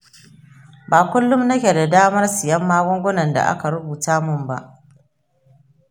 ba kullum nake da damar siyan magungunan da aka rubuta min ba.